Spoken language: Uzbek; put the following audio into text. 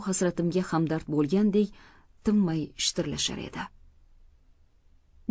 hasratimga hamdard bo'lgandek tinmay shitirlashar edi